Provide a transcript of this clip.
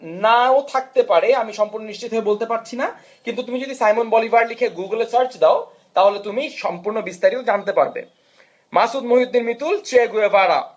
নাও থাকতে পারে আমি সম্পূর্ণ নিশ্চিত বলতে পারছিনা কিন্তু তুমি যদি সায়মন বলিভার লিখে গুগলে সার্চ দাও তাহলে তুমি সম্পূর্ণ বিস্তারিত জানতে পারবে মাসুদ মহিউদ্দিন মিতুল চে গুয়েভারা